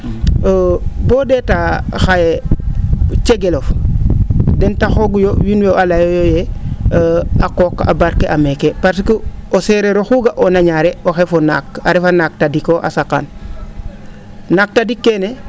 boo o ?eetaa xaye cegelof den taxooguyo wiin we a layooyo ye a qooq a barke a meeke parce que o seereer oxu ga'oona ñaare oxey fo naak a refa naak tadikoo a saqaan naaq tadik keene